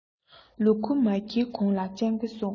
ལུ གུ མ འཁྱེར གོང ལ སྤྱང ཀི སྲུངས